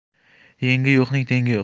yengi yo'qning tengi yo'q